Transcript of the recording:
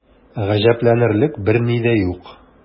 Гаҗәпләнерлек берни дә юк.